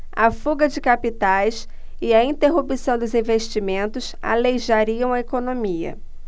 a fuga de capitais e a interrupção dos investimentos aleijariam a economia